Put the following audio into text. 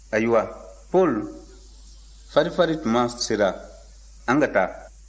ayiwa paul farifari tuma sera an ka taa